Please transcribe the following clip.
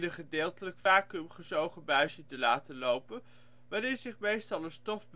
gedeeltelijk vacuum gezogen buisje te laten lopen waarin zich meestal een stof bevindt